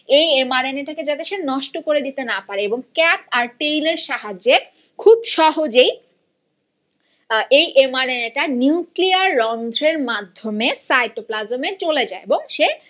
এই M R N টাকে নষ্ট করতে না পারে এবং ক্যাপ আর টেইলের সাহায্যে খুব সহজেই এই এম আর এন এ টা নিউক্লিয়ার রন্ধ্রের মাধ্যমে সাইটোপ্লাজমে চলে যা এবং সে